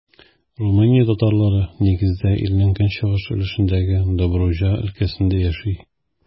Румыния татарлары, нигездә, илнең көнчыгыш өлешендәге Добруҗа өлкәсендә яши.